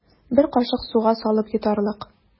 Бер кашык суга салып йотарлык.